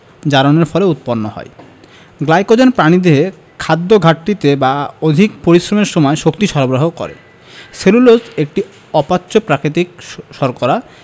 জারণের ফলে উৎপন্ন হয় গ্লাইকোজেন প্রাণীদেহে খাদ্যঘাটতিতে বা অধিক পরিশ্রমের সময় শক্তি সরবরাহ করে সেলুলোজ একটি অপাচ্য প্রকৃতির শর্করা